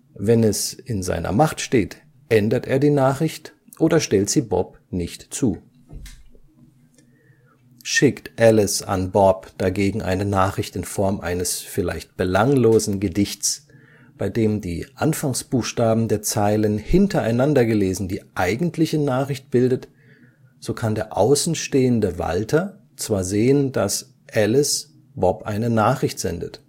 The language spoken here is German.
Wenn es in seiner Macht steht, ändert er die Nachricht oder stellt sie Bob nicht zu. Schickt Alice Bob dagegen eine Nachricht in Form eines (belanglosen) Gedichts, bei dem die Anfangsbuchstaben der Zeilen hintereinander gelesen die eigentliche Nachricht bildet, so kann der außenstehende Walter zwar sehen, dass Alice Bob eine Nachricht sendet